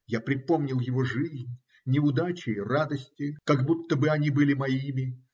Я припомнил его жизнь, неудачи и радости, как будто бы они были моими.